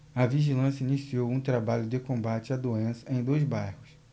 a vigilância iniciou um trabalho de combate à doença em dois bairros